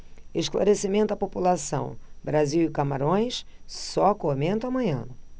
esclarecimento à população brasil e camarões só comento amanhã